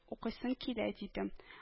Укыйсың килә? — дидем